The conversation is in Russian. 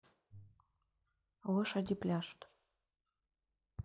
лошади пляшут